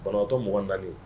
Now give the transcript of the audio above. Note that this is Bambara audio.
Bantɔuganda